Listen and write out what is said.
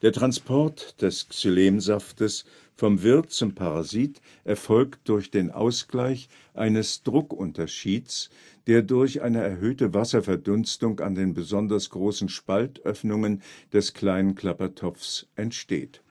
Transport des Xylemsaftes vom Wirt zum Parasit erfolgt durch den Ausgleich eines Druckunterschieds, der durch eine erhöhte Wasserverdunstung an den besonders großen Spaltöffnungen des Kleinen Klappertopf entsteht